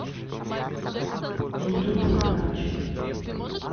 ютуб лихач